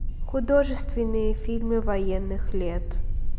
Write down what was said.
художественные фильмы военных лет